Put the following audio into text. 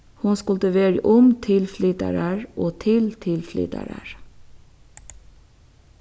hon skuldi verið um tilflytarar og til tilflytarar